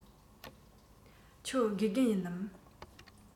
ཁྱོད དགེ རྒན ཡིན ནམ